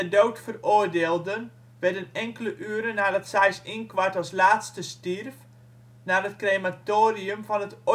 dood veroordeelden werden enkele uren nadat Seyss-Inquart als laatste stierf naar het crematorium van het